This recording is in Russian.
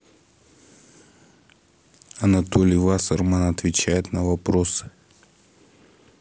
анатолий вассерман отвечает на вопросы